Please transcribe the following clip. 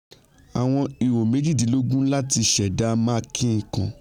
Àwọn ihò méjìdínlógun láti ṣẹ̀dá máàkì kan.